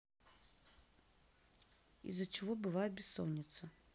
из за чего бывает бессонница